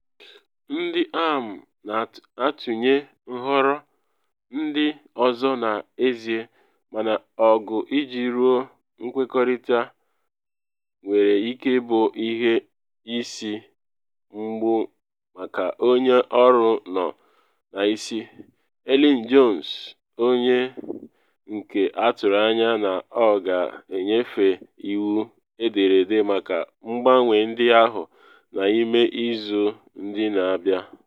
Ndị AM na atụnye nhọrọ ndị ọzọ n’ezie, mana ọgụ iji ruo nkwekọrịta nwere ike ịbụ ihe isi mgbu maka Onye Ọrụ Nọ N’isi, Elin Jones, onye nke atụrụ anya na ọ ga-enyefe iwu edere edere maka mgbanwe ndị ahụ n’ime izu ndị na abịa.